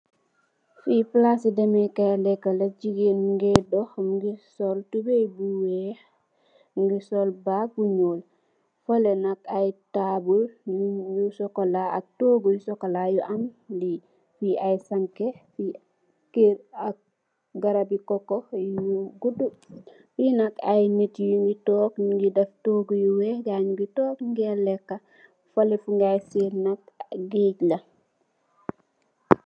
Fi palasi demèè kay lekka la jigeen mugèè dox mugii sol tubay bu wèèx, mugii sol bag bu ñuul. Faleh nak ay tabull yu sokola ak tóógu yu sokola, fi ay sanke kèr ak garap bi koko yu guddu. Fi nak ay nit ñu ngi tóóg ñu def tóógu yu wèèx, ngayi ñu ngi tóóg ñu ngay lekka. Falleh fu ngay sèèn nak gaaj la.